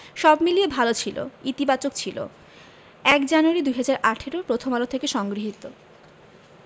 সব মিলিয়ে ভালো ছিল ইতিবাচক ছিল ০১ জানুয়ারি ২০১৮ প্রথম আলো হতে সংগৃহীত